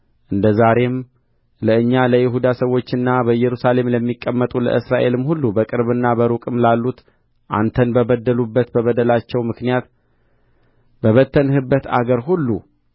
እንደ ዛሬም ለእኛ ለይሁዳ ሰዎችና በኢየሩሳሌም ለሚቀመጡ ለእስራኤልም ሁሉ በቅርብና በሩቅም ላሉት አንተን በበደሉበት በበደላቸው ምክንያት በበተንህበት አገር ሁሉ